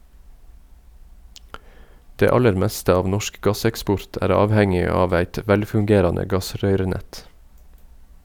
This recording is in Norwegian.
Det aller meste av norsk gasseksport er avhengig av eit velfungerande gassrøyrnett.